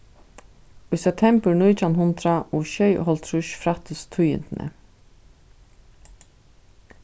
í septembur nítjan hundrað og sjeyoghálvtrýss frættust tíðindini